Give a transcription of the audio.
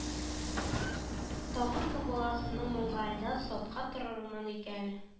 Тагын кем баласының маңгаенда сакта торырмын икән